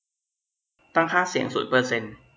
ตั้งค่าเสียงศูนย์เปอร์เซนต์